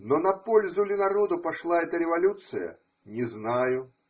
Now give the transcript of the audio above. Но на пользу ли народу пошла эта революция? Не знаю.